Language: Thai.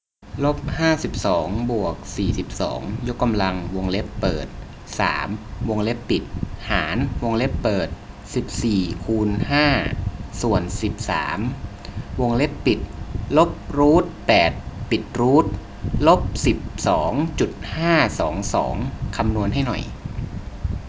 ลบห้าสิบสองบวกสี่สิบสองยกกำลังวงเล็บเปิดสามวงเล็บปิดหารวงเล็บเปิดสิบสี่คูณเศษห้าส่วนสิบสามวงเล็บปิดลบรูทแปดปิดรูทลบสิบสองจุดห้าสองสองคำนวณให้หน่อย